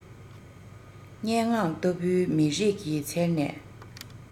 སྙན ངག ལྟ བུའི མེ ཏོག གི ཚལ ནས